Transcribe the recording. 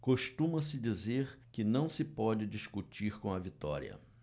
costuma-se dizer que não se pode discutir com a vitória